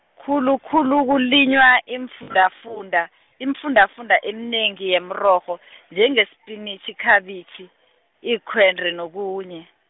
khulukhulu kulinywa iimfundafunda, iimfundafunda eminengi yemirorho, njengesipinitjhi, ikhabitjhi, iinkhwende nokunye.